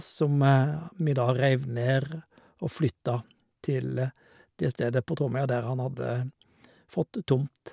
Som vi da reiv ned og flytta til det stedet på Tromøya der han hadde fått tomt.